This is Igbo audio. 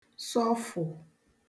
sọfụ̀